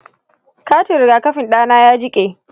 katin rigakafin ɗana ya jiƙe.